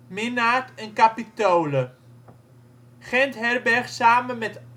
Minard en Capitole. Gent herbergt samen met